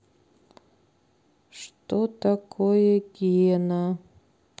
что такое гена